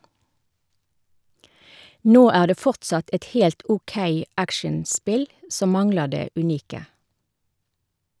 Nå er det fortsatt et helt ok actionspill, som mangler det unike.